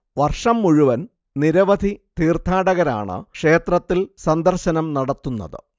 വർഷം മുഴുവൻ നിരവധി തീർത്ഥാടകരാണ് ക്ഷേത്രത്തിൻ സന്ദർശനം നടത്തുന്നത്